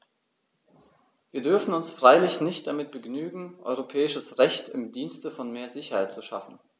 Wir dürfen uns freilich nicht damit begnügen, europäisches Recht im Dienste von mehr Sicherheit zu schaffen.